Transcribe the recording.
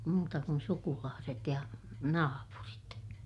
muuta kuin sukulaiset ja naapurit